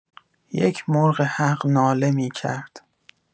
یک مرغ‌حق ناله می‌کرد.